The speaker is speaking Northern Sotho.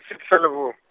Sotho sa Leboa.